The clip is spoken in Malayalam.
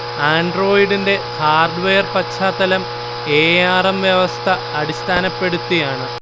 ആൻഡ്രോയ്ഡിന്റെ ഹാർഡ്വെയർ പശ്ചാത്തലം ഏ ആർ എം വ്യവസ്ഥ അടിസ്ഥാനപ്പെടുത്തിയാണ്